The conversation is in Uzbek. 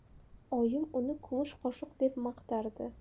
oyim uni kumush qoshiq deb maqtardi